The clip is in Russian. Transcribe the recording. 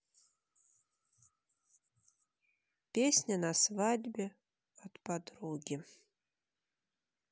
песня на свадьбе от подруги